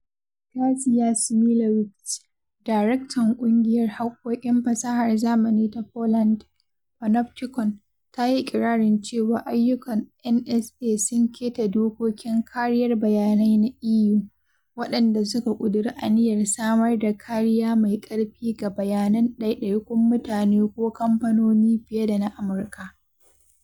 Kasia Szymielewicz, daraktan ƙungiyar haƙƙoƙin fasahar zamani ta Poland, Panoptykon, ta yi iƙirarin cewa ayyukan NSA sun keta dokokin kariyar bayanai na EU, waɗanda suka ƙuduri aniyar samar da kariya mai ƙarfi ga bayanan ɗaiɗaikun mutane ko kamfanoni fiye da na Amurka.